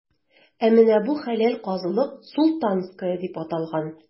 Ә менә бу – хәләл казылык,“Султанская” дип аталган.